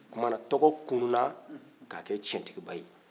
o tumana tɔgɔ tununa k'a kɛ tiɲɛtigiba ye